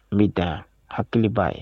N bɛ dan hakili b'a ye